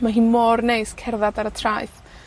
Ma hi mor neis cerddad ar y traeth